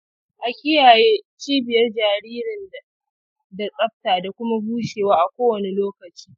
a kiyaye cibiyar jaririn da tsafta da kuma bushewa a kowane lokaci